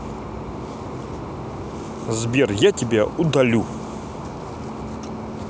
сбер я тебя удаляю